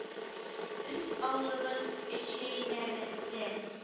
Үз авылыбыз Өчөйләредәдә